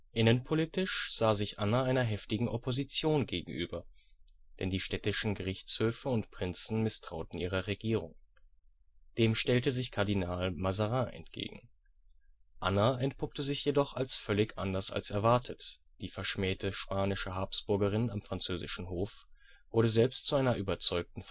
Innenpolitisch sah sich Anna einer heftigen Opposition gegenüber, denn die städtischen Gerichtshöfe und Prinzen misstrauten ihrer Regierung. Dem stellte sich Kardinal Mazarin entgegen. Anna entpuppte sich jedoch als völlig anders als erwartet, die verschmähte spanische Habsburgerin am französischen Hof wurde selbst zu einer überzeugten